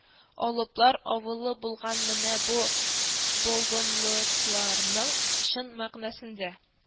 Алыплар авылы булган менә бу болынлыкларның, чын мәгънәсендә,